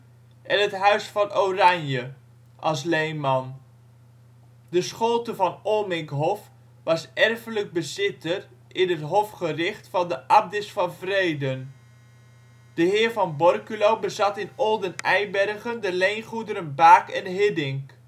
en het Huis van Oranje (1776) als leenman. De scholte van Olminkhof was erfelijk bijzitter in het hofgricht van de abdis van Vreden. De heer van Borculo bezat in Olden Eibergen de leengoederen Baak en Hiddink